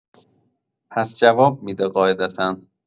پس جواب می‌ده قاعدتا